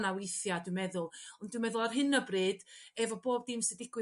fana withia' dwi'n meddwl ond dwi'n meddwl ar hyn o bryd efo bob dim sy' 'di digwydd